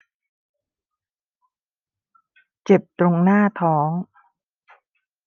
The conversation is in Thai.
เจ็บตรงหน้าท้อง